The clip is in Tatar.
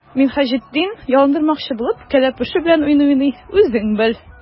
Минһаҗетдин, ялындырмакчы булып, кәләпүше белән уйный-уйный:— Үзең бел!